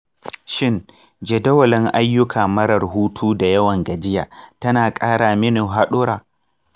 shin jadawalin ayukka marar hutu da yawan gajiya ta na ƙara mini haɗurra?